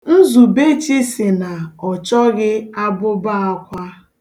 Nzubechi sị na ọ chọghị abụbọ akwa.